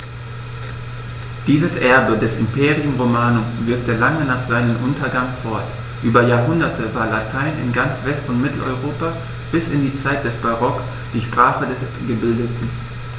Dieses Erbe des Imperium Romanum wirkte lange nach seinem Untergang fort: Über Jahrhunderte war Latein in ganz West- und Mitteleuropa bis in die Zeit des Barock die Sprache der Gebildeten.